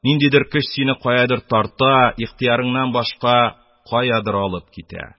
Ниндидер көч сине каядыр тарта, ихтыярыңнан башка каядыр алып китә